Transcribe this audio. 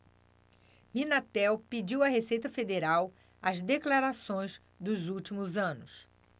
minatel pediu à receita federal as declarações dos últimos anos